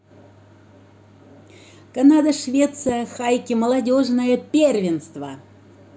канада швеция хайке молодежное первенство